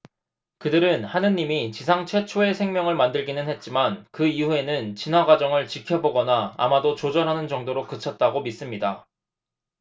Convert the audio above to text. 그들은 하느님이 지상 최초의 생명을 만들기는 했지만 그 이후에는 진화 과정을 지켜보거나 아마도 조절하는 정도로 그쳤다고 믿습니다